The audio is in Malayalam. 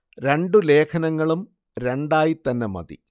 രണ്ടു ലേഖനങ്ങളും രണ്ടായി തന്നെ മതി